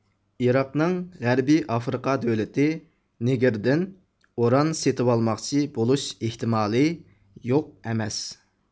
ئىراقنىڭ غەربىي ئافرىقا دۆلىتى نېگىردىن ئۇران سېتىۋالماقچى بولۇش ئېھتىمالى يوق ئەمەس